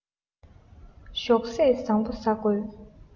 ཞོགས ཟས བཟང པོ བཟའ དགོས